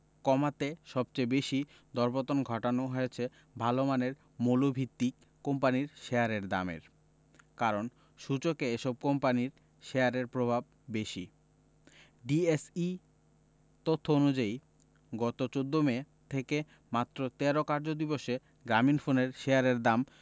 কমাতে সবচেয়ে বেশি দরপতন ঘটানো হয়েছে ভালো মানের মৌলভিত্তির কোম্পানির শেয়ারের দামের কারণ সূচকে এসব কোম্পানির শেয়ারের প্রভাব বেশি ডিএসইর তথ্য অনুযায়ী গত ১৪ মে থেকে মাত্র ১৩ কার্যদিবসে গ্রামীণফোনের শেয়ারের দাম